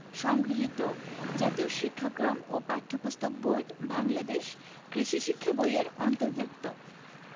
সংগৃহীত জাতীয় শিক্ষাক্রম ও পাঠ্যপুস্তক বোর্ড বাংলাদেশ কৃষি শিক্ষা বই এর অন্তর্ভুক্ত